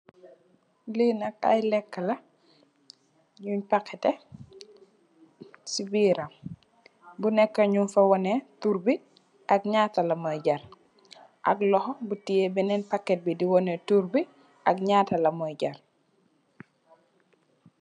Lii nak aye lek la, yuñ pakete, si biiram, bu neka ñungfa wane tur bi, ak ñaata lamoy jar, ak loxo bu teyee baneen paket bi di waneh tur bi, ak ñaata lamoy jar.